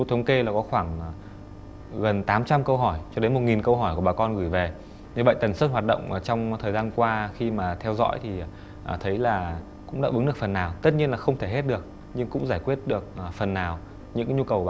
thống kê là có khoảng gần tám trăm câu hỏi cho đến một nghìn câu hỏi của bà con gửi về như vậy tần suất hoạt động ở trong thời gian qua khi mà theo dõi thì thấy là cũng đáp ứng được phần nào tất nhiên là không thể hết được nhưng cũng giải quyết được phần nào những nhu cầu